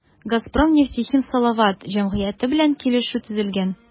“газпром нефтехим салават” җәмгыяте белән килешү төзелгән.